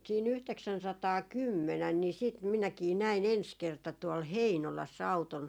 siinä yhdeksänsataakymmenen niin sitten minäkin näin ensi kerta tuolla Heinolassa auton